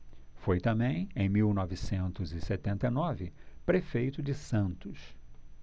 foi também em mil novecentos e setenta e nove prefeito de santos